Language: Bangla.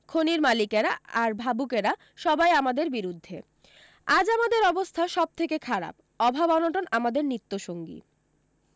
খনির মালিকেরা আর ভাবুকেরা সবাই আমাদের বিরুদ্ধে আজ আমাদের অবস্থা সবথেকে খারাপ অভাব অনটন আমাদের নিত্যসঙ্গী